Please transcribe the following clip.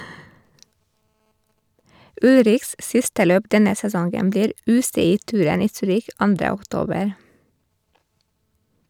Ullrichs siste løp denne sesongen blir UCI-touren i Zürich 2. oktober.